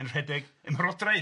... yn rhedeg ymhorodraeth.